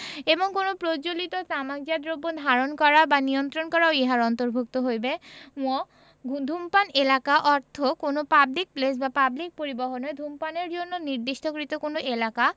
এবং কোন প্রজ্বলিত তামাকজাত দ্রব্য ধারণ করা বা নিয়ন্ত্রণ করাও ইহার অন্তর্ভুক্ত হইবে ঙ ধূমপান এলাকা অর্থ কোন পাবলিক প্লেস বা পাবলিক পরিবহণে ধূমপানের জন্য নির্দিষ্টকৃত কোন এলাকা